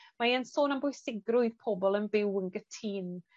mae e'n sôn am bwysigrwydd pobol yn byw yn gytyn.